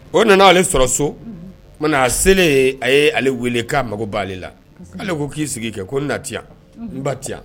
O nana ale sɔrɔ so a selen a ye ale weele k'a mago'ale la ale ko k'i sigi kɛ ko ne na ti n ba ti